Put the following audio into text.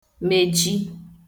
mèji